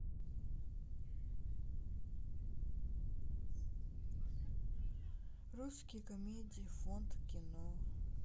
есть молиться любить